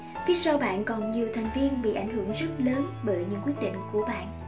phía sau bạn còn nhiều thành viên bị ảnh hưởng rất lớn bởi những quyết định của bạn